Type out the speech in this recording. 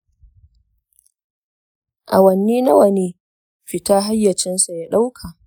awanni nawa ne fita hayyacinsa ya ɗauka?